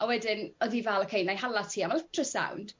A wedyn o'dd 'i fal oce 'nai hala ti a ultrasound.